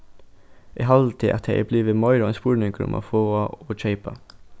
eg haldi at tað er blivið meira ein spurningur um at fáa og keypa